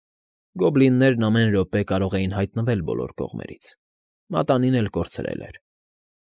Գոբլիններն ամեն րոպե կարող էին հայտնվել բոլոր կողմերից, մատանին էլ կորցրել էր։